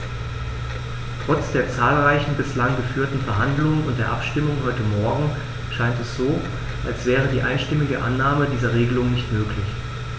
Trotz der zahlreichen bislang geführten Verhandlungen und der Abstimmung heute Morgen scheint es so, als wäre die einstimmige Annahme dieser Regelung nicht möglich.